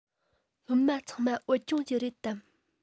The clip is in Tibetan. སློབ མ ཚང མ བོད ལྗོངས ཀྱི རེད དམ